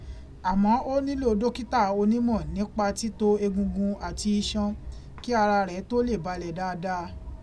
Àmọ́ ó nílò dókítà onímọ̀ nípa títo egungun àti iṣan kí ara rẹ̀ tó lè balẹ̀ dáadáa.